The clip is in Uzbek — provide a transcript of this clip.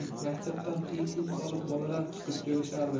maktabdan qiy chuv solib bolalar chiqib kelishardi